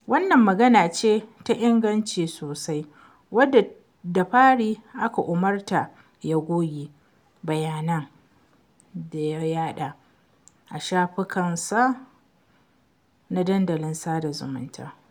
Wannan magana ce ta Ingance Sossou, wanda da fari aka umarta ya goge bayanan da ya yaɗa a shafinsa na dandalin sada zamunta.